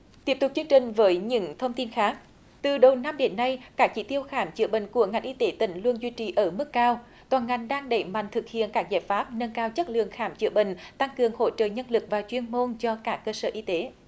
tiếp tục chương trình với những thông tin khác từ đầu năm đến nay các chỉ tiêu khám chữa bệnh của ngành y tế tỉnh luôn duy trì ở mức cao toàn ngành đang đẩy mạnh thực hiện các giải pháp nâng cao chất lượng khám chữa bệnh tăng cường hỗ trợ nhân lực và chuyên môn cho cả cơ sở y tế